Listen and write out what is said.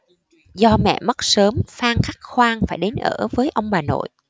do mẹ mất sớm phan khắc khoan phải đến ở với ông bà nội